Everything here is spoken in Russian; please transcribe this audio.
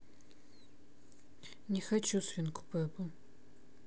не хочу свинку пеппу